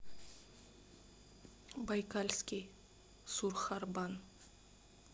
байкальский сурхарбан